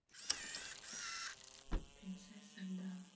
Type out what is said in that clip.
принцесса льда